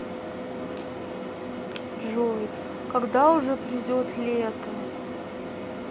джой когда уже придет лето